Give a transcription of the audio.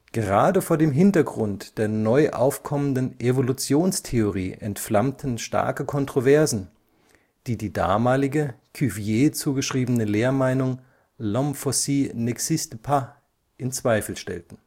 Gerade vor dem Hintergrund der neu aufkommenden Evolutionstheorie entflammten starke Kontroversen, die die damalige, Cuvier zugeschriebene Lehrmeinung " L'homme fossile n'existe pas! " in Zweifel stellten